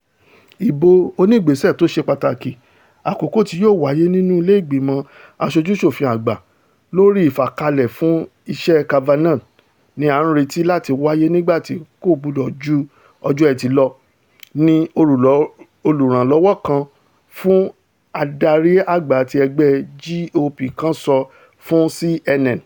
Ìbò oníìgbésẹ̀ tóṣe pàtàkì àkọ́kọ́ tí yóò wáyé nínú ilé ìgbìmọ̀ Aṣojú-ṣòfin Àgbà lórí ìfàkalẹ̀ fún iṣẹ́ Kavanaugh ni a réti làti waye nígbàtí kò gbọdọ̀ ju ọjọ́ Ẹtì lọ, ni olùránlọ́wọ́ fún adarí àgbà ti ẹgbẹ́ GOP kan sọ fún CNN.